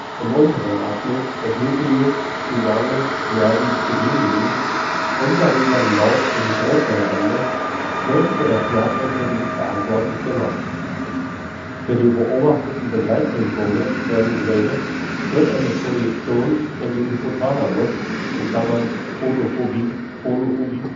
im unteren Abschnitt des Nucleus spinalis nervi trigemini und darüber hinaus in die Großhirnrinde wird für das Schmerzempfinden verantwortlich gemacht. Für die beobachteten Begleitsymptome der Migräne wird eine Projektion in den Hypothalamus (Photophobie, Phonophobie